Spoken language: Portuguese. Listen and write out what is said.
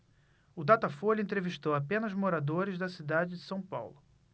o datafolha entrevistou apenas moradores da cidade de são paulo